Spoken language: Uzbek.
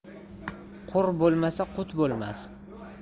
qur bo'lmasa qut bo'lmas